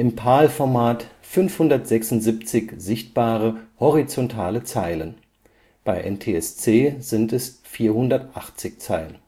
PAL-Format 576 sichtbare horizontale Zeilen (bei NTSC 480 Zeilen